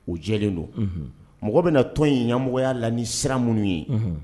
O jɛlen don mɔgɔ bɛna na tɔn in yamɔgɔya lami sira minnu ye